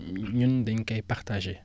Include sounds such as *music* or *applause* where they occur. *hesitation* ñun dañ koy partagé